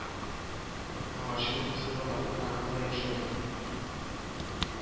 Моңарчы утыз елдан артык Канадада яшәгән